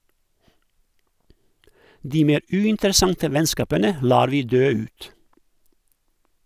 De mer uinteressante vennskapene lar vi dø ut.